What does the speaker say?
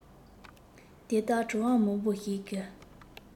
དེ ལྟར དྲི བ མང པོ ཞིག གི